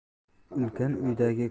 ulkan uydagi kulsa